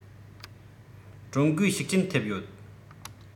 ཀྲུང གོའི ཤུགས རྐྱེན ཐེབས ཡོད